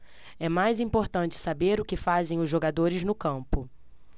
é mais importante saber o que fazem os jogadores no campo